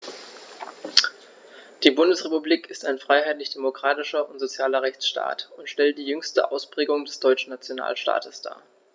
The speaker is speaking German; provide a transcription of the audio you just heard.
Die Bundesrepublik ist ein freiheitlich-demokratischer und sozialer Rechtsstaat und stellt die jüngste Ausprägung des deutschen Nationalstaates dar.